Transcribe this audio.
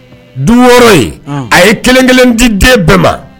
Du wɔɔrɔ in a ye kelenkelen di den bɛɛ ma